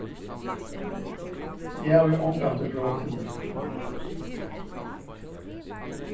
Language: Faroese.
eg havi ongantíð brotið nakað